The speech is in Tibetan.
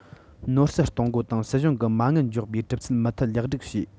ནོར སྲིད གཏོང སྒོ དང སྲིད གཞུང གི མ དངུལ འཇོག པའི གྲུབ ཚུལ མུ མཐུད ལེགས སྒྲིག བྱས